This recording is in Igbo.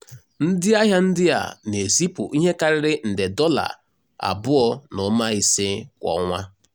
Ndị ahịa ndị a na-ezipụ ihe karịrị nde $2.5 kwa ọnwa.